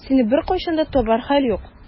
Сине беркайчан да табар хәл юк.